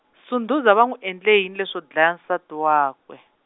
Sundhuza va n'wi endle yini leswo dlaya nsati wakwe?